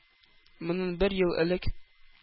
Моннан бер ел элек